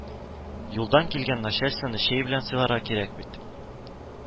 Юлдан килгән начальствоны чәй белән сыйларга кирәк бит